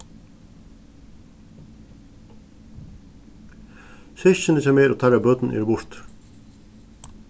systkini hjá mær og teirra børn eru burtur